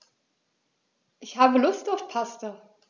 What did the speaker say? Ich habe Lust auf Pasta.